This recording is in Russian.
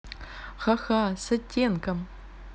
хаха с оттенком